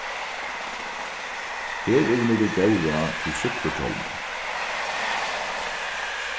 her eru nøkur góð ráð til súkkluhjálmin